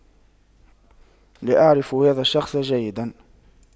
لا اعرف هذا الشخص جيدا